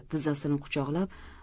tizzasini quchoqlab